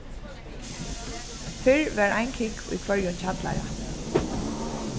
fyrr var ein kúgv í hvørjum kjallara